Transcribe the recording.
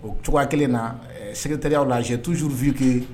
O cogoya kelen na sɛgɛte' la tuusuurufiki